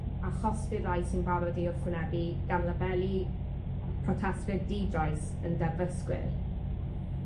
a chosbi'r rhai sy'n barod i wrthwynebu gan labelu protestwyr di-drais yn derfysgwyr.